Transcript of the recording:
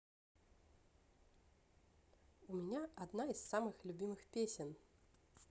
у меня одна из любимых песен